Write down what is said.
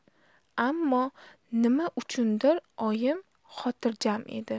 ammo nima uchundir oyim xotirjam edi